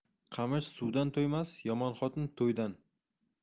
qamish suvdan to'ymas yomon xotin to'ydan